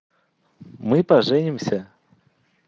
мы поженимся